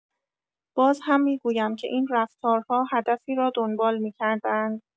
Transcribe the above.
باز هم می‌گویم که این رفتارها هدفی را دنبال می‌کرده‌اند.